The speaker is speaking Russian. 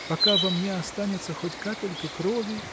Пока во мне останется хоть капелька крови